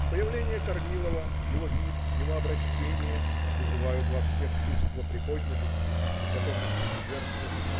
Появление Корнилова, его вид, его обращение вызывают во всех чувство приподнятости, готовности к жертве.